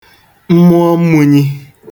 mmụọ mmūnyī